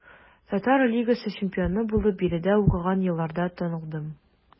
Татар лигасы чемпионы булып биредә укыган елларда танылдым.